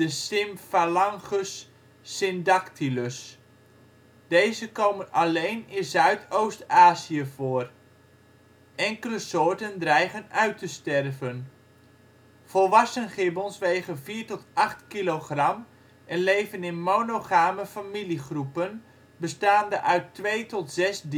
Symphalangus syndactylus). Deze komen alleen in Zuidoost-Azië voor. Enkele soorten dreigen uit te sterven. Volwassen gibbons wegen 4-8 kilogram en leven in monogame familiegroepen, bestaande uit 2 tot 6 dieren